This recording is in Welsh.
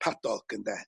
Padog ynde?